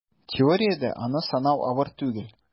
Теориядә аны санау авыр түгел: